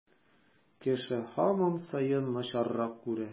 Кеше һаман саен начаррак күрә.